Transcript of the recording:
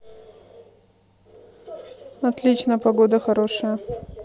отлично погода хорошая